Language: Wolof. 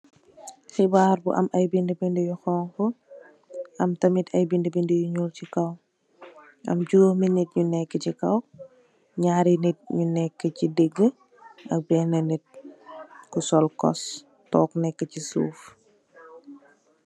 Heebar bu am ay bindi-bindi yu honku, am tamit ay bindi-bindi yu ñuul ci kawam. Am juróomi nit yu nekk chi kaw, naari nit yu nekk ci digi ak benn nit ku sol cost, toog nekk ci suuf.